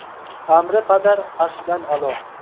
amri padar arshdan a'lo